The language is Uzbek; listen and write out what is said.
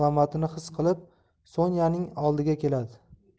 alomatini his qilib sonyaning oldiga keladi